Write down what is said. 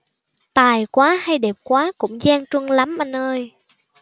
tài quá hay đẹp quá cũng gian truân lắm anh ơi